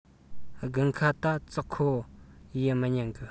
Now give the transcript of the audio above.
དགུན ཁ ད ཙག ཁོའུ ཡས མི ཉན གི